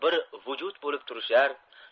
bir vujud bo'lib turishar